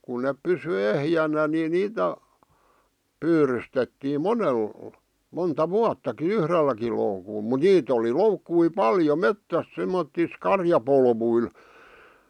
kun ne pysyi ehjänä niin niitä pyydystettiin monella monta vuottakin yhdelläkin loukulla mutta niitä oli loukkuja paljon metsässä semmottoon karjapoluilla